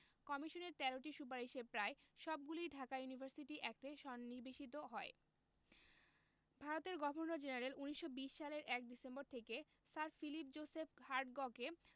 কমিশনের ১৩টি সুপারিশের প্রায় সবগুলিই ঢাকা ইউনিভার্সিটি অ্যাক্টে সন্নিবেশিত হয় ভারতের গভর্নর জেনারেল ১৯২০ সালের ১ ডিসেম্বর থেকে স্যার ফিলিপ জোসেফ হার্টগকে